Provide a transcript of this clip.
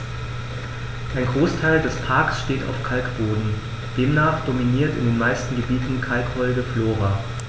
Ein Großteil des Parks steht auf Kalkboden, demnach dominiert in den meisten Gebieten kalkholde Flora.